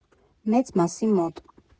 Մեծ մասի մոտ։